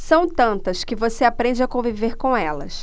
são tantas que você aprende a conviver com elas